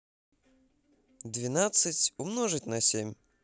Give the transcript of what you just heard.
двенадцать умножить на семь